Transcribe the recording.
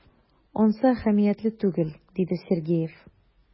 Ансы әһәмиятле түгел,— диде Сергеев.